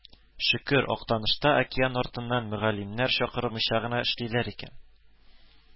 Шөкер, Актанышта океан артыннан мөгаллимнәр чакырмыйча гына эшлиләр икән